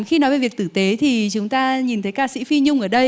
khi nói về việc tử tế thì chúng ta nhìn thấy ca sĩ phi nhung ở đây